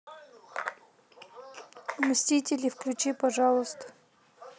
мстители включи пожалуйста